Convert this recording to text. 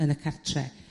yn y cartre'.